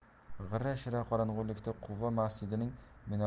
g'ira shira qorong'ilikda quva